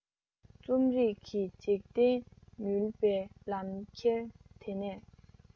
རྩོམ རིག གི འཇིག རྟེན ཉུལ པའི ལམ ཁྱེར འདི ནས